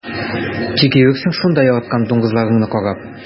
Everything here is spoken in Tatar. Тик йөрерсең шунда яраткан дуңгызларыңны карап.